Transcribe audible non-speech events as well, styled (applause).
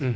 (hesitation) (hesitation)